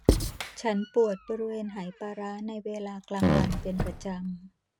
ฉันปวดบริเวณไหปลาร้าในเวลากลางวันเป็นประจำ